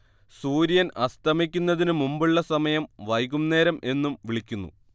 സൂര്യൻ അസ്തമിക്കുന്നതിന് മുമ്പുള്ള സമയം വൈകുന്നേരംഎന്നും വിളിക്കുന്നു